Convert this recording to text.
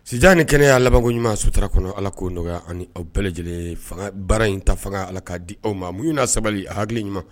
Sdi ni kɛnɛ y'a laban ɲumanuma suturara kɔnɔ ala koo nɔgɔya ni aw bɛɛ lajɛlen fanga baara in ta fanga la ka di aw ma munɲ'a sabali hakiliki ɲuman